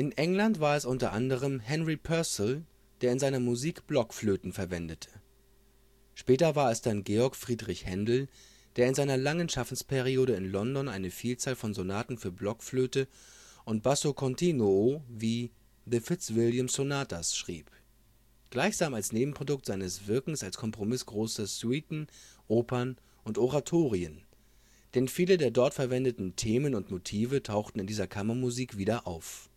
England war es unter anderem Henry Purcell, der in seiner Musik Blockflöten verwendete. Später war es dann Georg Friedrich Händel, der in seiner langen Schaffensperiode in London eine Vielzahl von Sonaten für Blockflöte und basso continuo wie „ The Fitzwilliam Sonatas “schrieb, gleichsam als Nebenprodukt seines Wirkens als Komponist großer Suiten, Opern und Oratorien, denn viele der dort verwendeten Themen und Motive tauchen in dieser Kammermusik wieder auf